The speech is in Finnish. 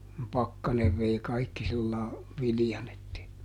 kun pakkanen vei kaikki sillä lailla viljan että ei